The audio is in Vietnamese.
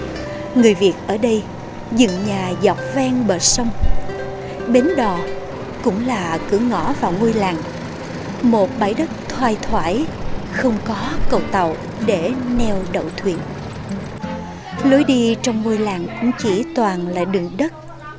người việt ở đây dựng nhà dọc ven bờ sông bến đò cũng là cửa ngõ vào ngôi làng một bãi đất thoai thoải không có cầu tàu để neo đậu thuyền lối đi trong ngôi làng cũng chỉ toàn là đường đất